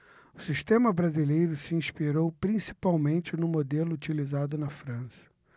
o sistema brasileiro se inspirou principalmente no modelo utilizado na frança